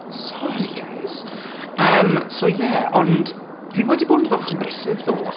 Sori guys! Yym so ie ond fi wedi bod m- bach yn brysur ddo.